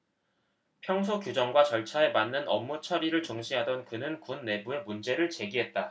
평소 규정과 절차에 맞는 업무 처리를 중시하던 그는 군 내부에 문제를 제기했다